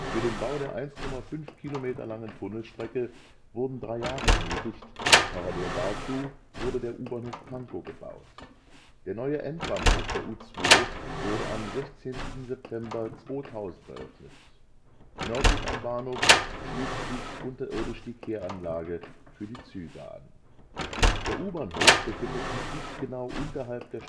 den Bau der 1,5 Kilometer langen Tunnelstrecke wurden drei Jahre benötigt, parallel dazu wurde der U-Bahnhof Pankow gebaut. Der neue Endbahnhof der U2 wurde am 16. September 2000 eröffnet. Nördlich am Bahnhof schließt sich unterirdisch die Kehranlage für die Züge an. Der U-Bahnhof befindet sich nicht genau unterhalb der